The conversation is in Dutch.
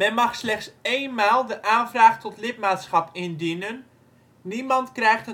mag slechts één maal de aanvraag tot lidmaatschap indienen. Niemand krijgt